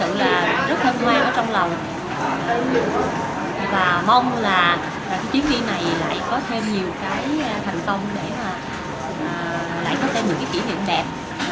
thực sự là rất hân hoan ở trong lòng và mong là cái chuyên đi này lại có thêm nhiều cái thành công lại có thêm những cái kỉ niệm đẹp